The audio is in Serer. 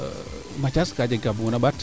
Mathiase ka jeg u kaa bug ona ɓaat